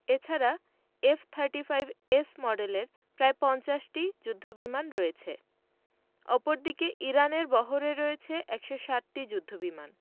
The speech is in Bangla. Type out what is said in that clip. এ ছাড়া এফ থার্টি ফাইভ এস মডেলের প্রায় ৫০টি যুদ্ধবিমান রয়েছে অপরদিকে ইরানের বহরে রয়েছে ১৬০টি যুদ্ধবিমান